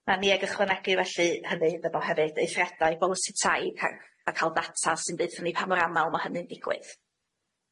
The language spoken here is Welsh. Na ni. Nawn ni ag ychwanegu felly hynny iddo fo hefyd eithriadau bolisi tai a a ca'l data sy'n deutho ni pa mor amal ma' hynny'n digwydd.